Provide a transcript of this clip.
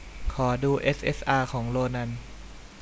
ขอดูเอสเอสอาของโรนัน